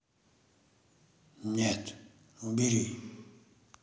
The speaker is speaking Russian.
нет убери